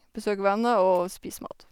Besøke venner og spise mat.